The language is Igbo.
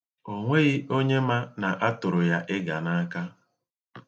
O nweghị onye ma na a tụrụ ya ịga n'aka.